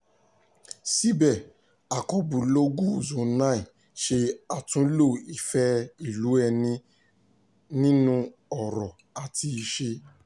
Síbẹ̀, akọbúlọ́ọ̀gù Zone9 ṣe àtúnlò ìfẹ́-ìlú-ẹni nínú ọ̀rọ̀ àti ìṣe.